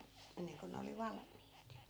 ennen kuin ne oli valmiit